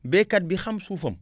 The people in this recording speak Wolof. baykat bi xam suufam